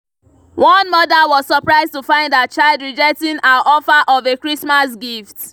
One mother was surprised to find her child rejecting her offer of a Christmas gift.